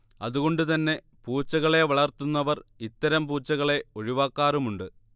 അതുകൊണ്ട് തന്നെ പൂച്ചകളെ വളർത്തുന്നവർ ഇത്തരം പൂച്ചകളെ ഒഴിവാക്കാറുമുണ്ട്